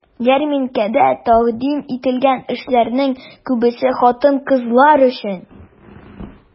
Ярминкәдә тәкъдим ителгән эшләрнең күбесе хатын-кызлар өчен.